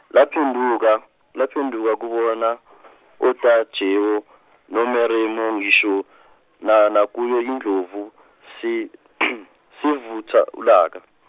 laphenduka, laphenduka okubona otajero nomeremo ngisho na- nakuyo indlovu se- sevutha ulaka.